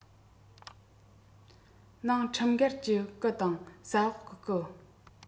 ནང ཁྲིམས འགལ གྱིས གི དང ས འོག གི